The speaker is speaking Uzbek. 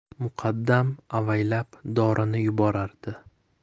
muqaddam avaylab dori yuborardi